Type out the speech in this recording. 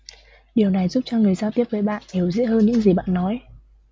điều này giúp cho người giao tiếp với bạn hiểu dễ hơn những gì bạn nói